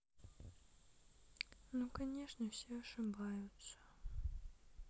ну конечно все ошибаются